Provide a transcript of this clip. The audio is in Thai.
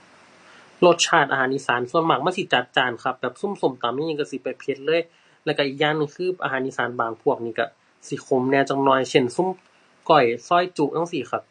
รสชาติอาหารอีสานส่วนมากมันสิจัดจ้านครับ แบบซุมส้มตำอิหยังก็สิแบบเผ็ดเลย แล้วก็อีกอย่างหนึ่งคือ อาหารอีสานบางพวกนี่ก็สิขมแหน่จักหน่อย เช่น ซุมก้อย ซอยจุ๊ จั่งซี้ครับ